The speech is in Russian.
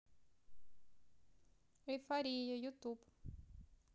эйфория ютуб